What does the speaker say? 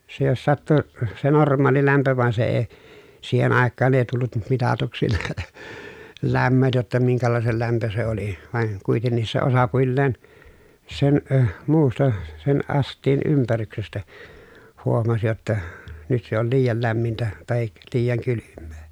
se jos sattui se normaali lämpö vaan se ei siihen aikaan ei tullut - mitatuksi lämmöt jotta minkälaisen lämpö se oli vain kuitenkin se osapuilleen sen - muusta sen astian ympäryksestä huomasi jotta nyt se oli liian lämmintä tai liian kylmää